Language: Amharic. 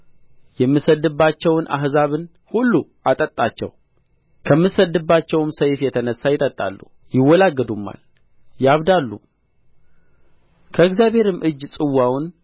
የምሰድድባቸውን አሕዛብን ሁሉ አጠጣቸው ከምሰድድባቸውም ሰይፍ የተነሣ ይጠጣሉ ይወላገዱማል ያብዳሉም ከእግዚአብሔርም እጅ ጽዋውን